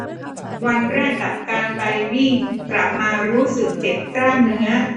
วันแรกกับการไปวิ่งกลับมารู้สึกเจ็บกล้ามเนื้อ